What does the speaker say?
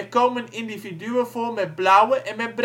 komen individuen voor met blauwe en met